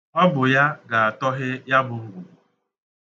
Ọ bụ ya ga-atọhe ya bụ ngwugwu.